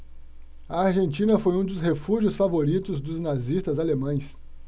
a argentina foi um dos refúgios favoritos dos nazistas alemães